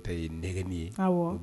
Ye ne nin ye wa